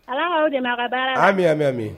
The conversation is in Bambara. Ala aw anmi' mɛn min